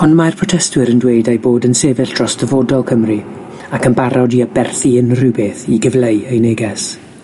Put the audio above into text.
Ond mae'r protestwyr yn dweud ei bod yn sefyll dros dyfodol Cymru ac yn barod i aberthu unrhyw beth i gyfleu eu neges.